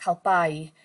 ca'l bai...